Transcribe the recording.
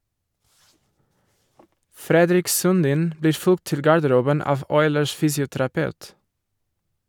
Fredrik Sundin blir fulgt til garderoben av Oilers' fysioterapeut.